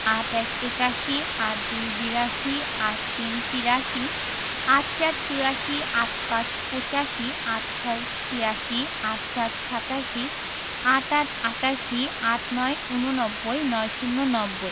৮১ – একাশি ৮২ – বিরাশি ৮৩ – তিরাশি ৮৪ – চুরাশি ৮৫ – পঁচাশি ৮৬ – ছিয়াশি ৮৭ – সাতাশি ৮৮ – আটাশি ৮৯ – ঊননব্বই ৯০ - নব্বই